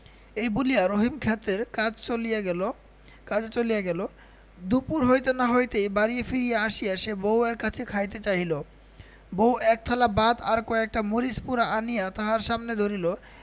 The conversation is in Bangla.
এই বলিয়া রহিম ক্ষেতের কাজে চলিয়া গেল দুপুর হইতে না হইতেই বাড়ি ফিরিয়া আসিয়া সে বউ এর কাছে খাইতে চাহিল বউ একথালা ভাত আর কয়েকটা মরিচ পোড়া আনিয়া তাহার সামনে ধরিল